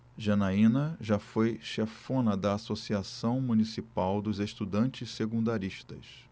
janaina foi chefona da ames associação municipal dos estudantes secundaristas